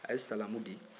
a ye salamu di